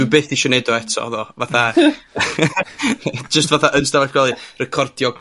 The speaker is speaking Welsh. Dwi byth isio neud o eto tho, fatha... chwerthin> ... jyst fatha yn stafell gwelu, recordio